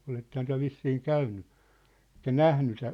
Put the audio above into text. olettehan te vissiin käynyt ehkä nähnyt sen